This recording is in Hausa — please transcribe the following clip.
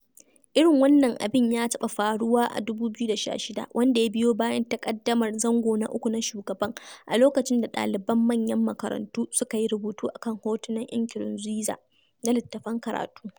Irin wannan abin ya taɓa faruwa a 2016, wanda ya biyo bayan taƙaddamar zango na uku na shugaban, a lokacin da ɗaliban manyan makarantu suka yi rubutu a kan hotunan Nkurunziza na littattafan karatu.